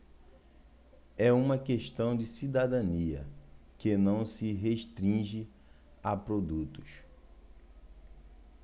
é uma questão de cidadania que não se restringe a produtos